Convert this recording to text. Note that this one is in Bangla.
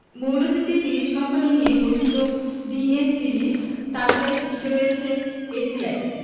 মৌলভিত্তির ৩০ কোম্পানি নিয়ে গঠিত ডিএস ৩০ তালিকার শীর্ষে রয়েছে এসিআই